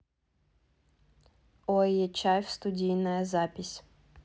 ой е чайф студийная запись